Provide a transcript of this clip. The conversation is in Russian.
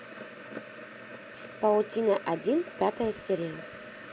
паутина один пятая серия